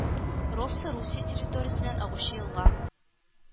Ровса Русия территориясеннән агучы елга